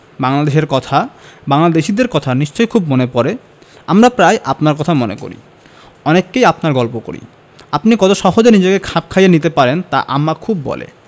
বাংলাদেশের কথা বাংলাদেশীদের কথা নিশ্চয় খুব মনে পরে আমরা প্রায়ই আপনারর কথা মনে করি অনেককেই আপনার গল্প করি আপনি কত সহজে নিজেকে খাপ খাইয়ে নিতে পারেন তা আম্মা খুব বলে